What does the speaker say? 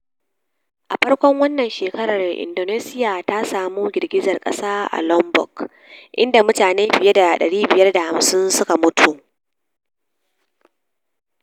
A farkon wannan shekarar, Indonesia ta samu girgizar kasa a Lombok, inda mutane fiye da 550 suka mutu.